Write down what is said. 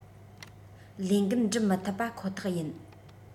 ལས འགན འགྲུབ མི ཐུབ པ ཁོ ཐག ཡིན